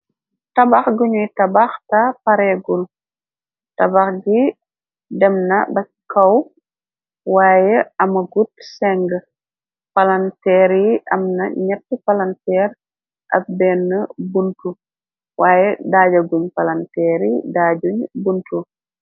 Tabah guñuy tabaxta pareegun tabax gi dem na bac kaw waye ama gut seng palanteer yi am na ñett palanteer ak benn buntu waaye daaja guñ palanteer yi daajuñ buntu.